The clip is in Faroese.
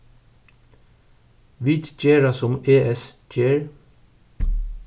vit gera sum es ger